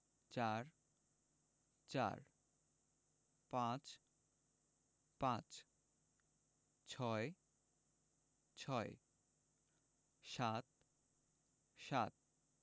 ৪ – চার ৫ – পাঁচ ৬ - ছয় ৭ - সাত